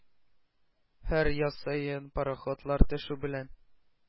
Һәр яз саен, пароходлар төшү белән,